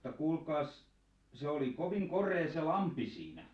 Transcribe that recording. mutta kuulkaas se oli kovin korea se lampi siinä